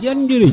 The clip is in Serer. jegan njiriñ